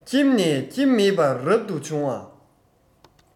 ཁྱིམ ནས ཁྱིམ མེད པར རབ ཏུ བྱུང བ